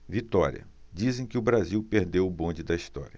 vitória dizem que o brasil perdeu o bonde da história